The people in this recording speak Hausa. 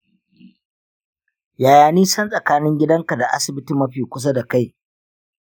yaya nisan tsakanin gidanka da asibiti mafi kusa da kai?